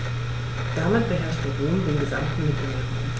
Damit beherrschte Rom den gesamten Mittelmeerraum.